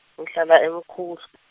ngihlala eMkhuhlu.